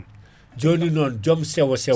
joni non joom sewo sewo